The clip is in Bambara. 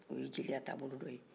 o ye jeliya ta bolo don ye